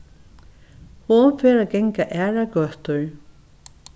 hon fer at ganga aðrar gøtur